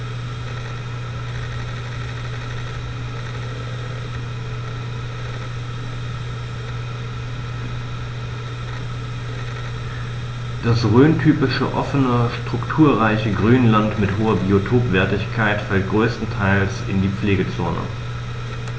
Das rhöntypische offene, strukturreiche Grünland mit hoher Biotopwertigkeit fällt größtenteils in die Pflegezone.